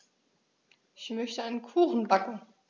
Ich möchte einen Kuchen backen.